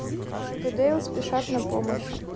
чип и дейл спешат на помощь